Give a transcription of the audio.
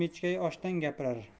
mechkay oshdan gapirar